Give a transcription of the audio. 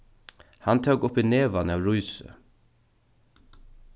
hann tók upp í nevan av rísi